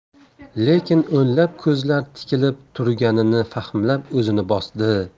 lekin o'nlab ko'zlar tikilib turganini fahmlab o'zini bosdi